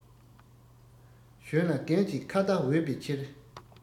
གཞོན ལ རྒན གྱིས ཁ བརྡ འོས པའི ཕྱིར